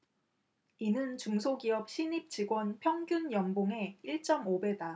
이는 중소기업 신입 직원 평균 연봉의 일 쩜 오 배다